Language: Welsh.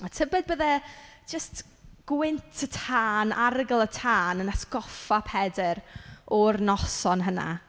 A tybed byddai jyst gwynt y tân, arogl y tân, yn atgoffa Pedr o'r noson hynna.